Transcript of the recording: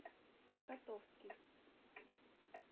котовский